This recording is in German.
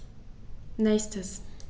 Nächstes.